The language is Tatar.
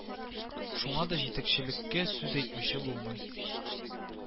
Шуңа да җитәкчелеккә сүз әйтмичә булмый